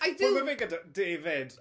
I do!... Wel, mae fe gyda David.